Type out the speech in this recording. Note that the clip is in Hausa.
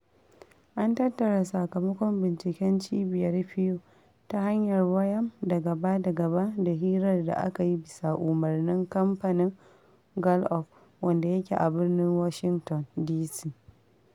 An tattara sakamakon binciken Cibiyar Pew ta hanyar waya da gaba-da-gaba da hirar da aka yi bisa umarnin Kamfanin Gallup wanda yake a birnin Washington, DC